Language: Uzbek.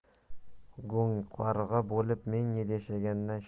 go'ngqarg'a bo'lib ming yil yashagandan